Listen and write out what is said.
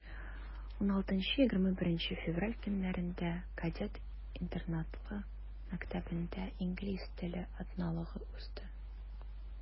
16-21 февраль көннәрендә кадет интернатлы мәктәбендә инглиз теле атналыгы узды.